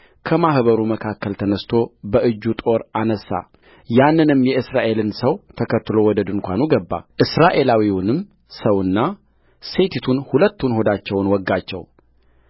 ከማኅበሩ መካከል ተነሥቶ በእጁ ጦር አነሣያንንም የእስራኤልን ሰው ተከትሎ ወደ ድንኳኑ ገባ እስራኤላዊውንም ሰውና ሴቲቱን ሁለቱን ሆዳቸውን ወጋቸው